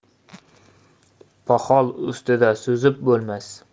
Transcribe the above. poxol ustida suzib bo'lmas